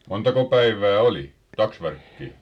montako päivää oli taksvärkkiä